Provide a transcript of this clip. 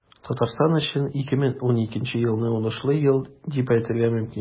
Татарстан өчен 2012 елны уңышлы ел дип әйтергә мөмкин.